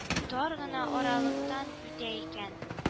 Тар гына аралыктан үтә икән